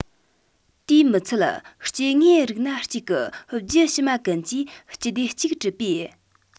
དེའི མི ཚད སྐྱེ དངོས རིགས སྣ གཅིག གི རྒྱུད ཕྱི མ ཀུན གྱིས སྤྱི སྡེ གཅིག གྲུབ པས